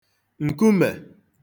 nkume